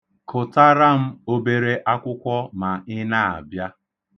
Kụtara m obere akwụkwọ ma ị na-abịa.